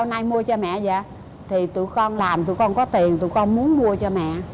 này mua cho mẹ thì thì tui con làm tụi con có tiền tụi con muốn mua cho mẹ